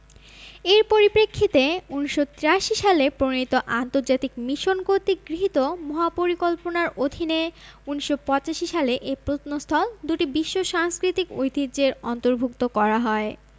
এর পরিপ্রেক্ষিতে ১৯৮৩ সালে প্রণীত আন্তর্জাতিক মিশন কর্তৃক গৃহীত মহাপরিকল্পনার অধীনে ১৯৮৫ সালে এ প্রত্নস্থল দুটি বিশ্ব সাংস্কৃতিক ঐতিহ্যের অন্তর্ভুক্ত করা হয়